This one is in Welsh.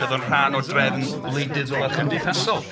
Oedd o'n rhan o'r drefn wleidyddol a chymdeithasol.